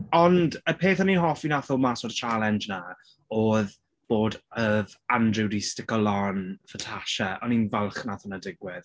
Ond y peth o'n ni'n hoffi wnaeth ddod mas o'r challenge 'na oedd bod oedd Andrew 'di sticio lan for Tasha. O'n i'n falch wnaeth hwnna digwydd.